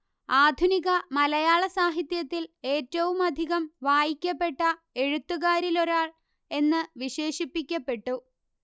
ആധുനിക മലയാള സാഹിത്യത്തിൽ ഏറ്റവുമധികം വായിക്കപ്പെട്ട എഴുത്തുകാരിലൊരാൾ എന്ന് വിശേഷിപ്പിക്കപ്പെട്ടു